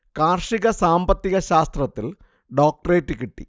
കാർഷിക സാമ്പത്തിക ശാസ്ത്രത്തിൽ ഡോക്ടറേറ്റ് കിട്ടി